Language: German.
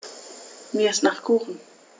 Mir ist nach Kuchen.